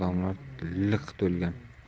odamlar liq to'lgan